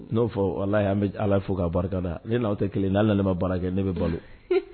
N'o fɔ ala ala fo k'a barikada ne n'aw tɛ kelen n'a lamɛnma baara kɛ ne bɛ balo